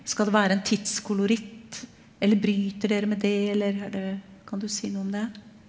skal det være en tidskoloritt eller bryter dere med det eller er det kan du si noe om det?